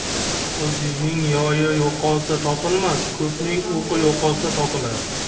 yolg'izning yoyi yo'qolsa topilmas ko'pning o'qi yo'qolsa topilar